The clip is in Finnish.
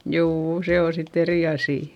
juu se on sitten eri asia